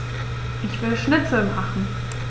Ich will Schnitzel machen.